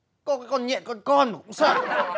có cái con nhện con con mà cũng sợ